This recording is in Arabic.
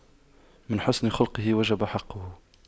من حسن خُلقُه وجب حقُّه